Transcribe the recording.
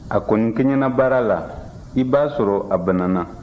a kɔni kɛɲɛna baara la i b'a sɔrɔ a banana